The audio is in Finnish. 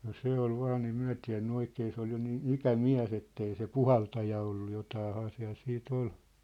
no se oli vain ei me tiennyt oikein se oli jo niin ikämies että ei se puhaltaja ollut jotakinhan siellä sitten oli